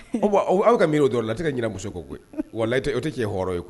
Aw ka mi dɔrɔn la e tɛ ka ɲɛna muso ko koyi wa o tɛ k'e h hɔrɔn ye koyi